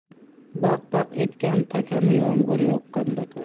baq baq etgan takani yomg'ir yoqqanda ko'r